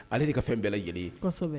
Ale de ka fɛn bɛɛ lajɛlen ye nin ye kɔsɛbɛ